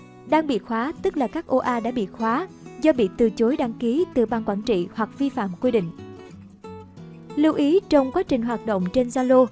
đang bị khóa các oa đã bị khóa do bị từ chối đăng kí từ bqt hoặc vi phạm quy định lưu ý trong quá trình hoạt động trên zalo